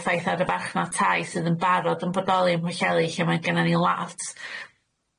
yr effaith ar y farchnath taith sydd yn barod yn bodoli ym Mhwyllheli lle mae gennon ni lot